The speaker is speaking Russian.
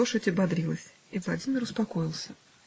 лошадь ободрилась, и Владимир успокоился.